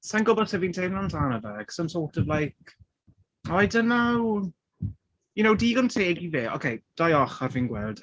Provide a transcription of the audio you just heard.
Sai'n gwybod sut fi'n teimlo amdano fe cause I'm sort of like... O I don't know! You know digon teg i fe. Ok dau ochr fi'n gweld...